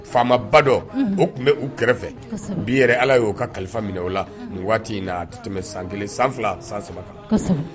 Faama ba dɔ o tun bɛ u kɛrɛfɛ , unhun, bi yɛrɛ allah y'o ka kalifa minɛ o la waati in na, a tɛ tɛmɛ san 1, san 2, san 3 kan , kosɛbɛ.